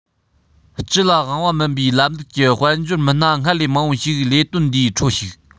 སྤྱི ལ དབང བ མིན པའི ལམ ལུགས ཀྱི དཔལ འབྱོར མི སྣ སྔར ལས མང པོ ཞིག ལས དོན འདིའི ཁྲོད ཞུགས